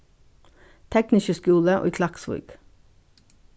tekniski skúli í klaksvík